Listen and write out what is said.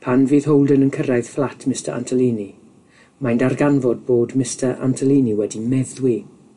Pan fydd Holden yn cyrraedd fflat Mista Antolini, mae'n darganfod bod Mista Antolini wedi meddwi.